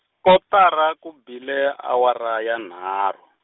kotara ku bile awara ya nharhu.